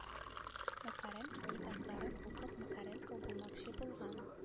Макаренко китапларын укып макаренко булмакчы булган